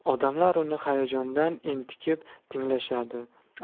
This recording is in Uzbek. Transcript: odamlar uni hayajondan entikib tinglashadi